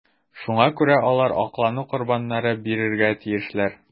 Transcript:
Шуңа күрә алар аклану корбаннары бирергә тиешләр.